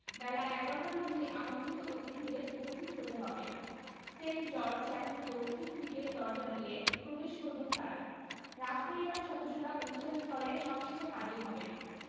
বেলা ১১টার মধ্যেই আমন্ত্রিত অতিথিদের উপস্থিত হতে হবে সেন্ট জর্জ চ্যাপেলের দক্ষিণ দিকের দরজা দিয়ে প্রবেশ করবেন তাঁরা রাজপরিবারের সদস্যরা অনুষ্ঠান স্থলে সবশেষে হাজির হবেন